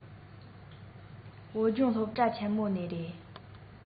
བོད ལྗོངས སློབ གྲྭ ཆེན མོ ནས རེད